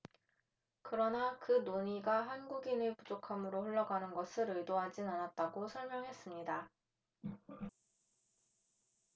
그러나 그 논의가 한국인의 부족함으로 흘러가는 것을 의도하진 않았다고 설명했습니다